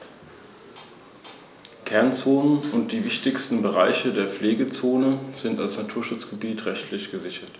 Im Ersten Punischen Krieg brach Rom die Vereinbarung mit Karthago über die Aufteilung der Interessenzonen auf Sizilien und dehnte seinen Einflussbereich bis an die Grenze des karthagischen Machtbereichs aus.